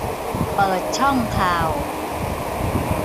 เปิดช่องข่าว